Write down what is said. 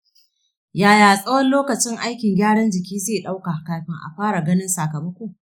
yaya tsawon lokaci aikin gyaran jiki zai ɗauka kafin a fara ganin sakamako?